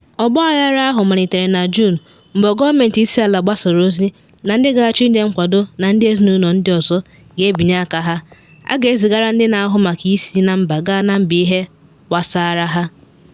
Ọgbaghara ahụ malitere na Juun mgbe gọọmenti isiala gbasara ozi na ndị ga-achọ inye nkwado na ndị ezinụlọ ndị ọzọ ga-ebinye aka ha, a ga-ezigara ndị na-ahụ maka isi na mba gaa na mba ihe gbasara ha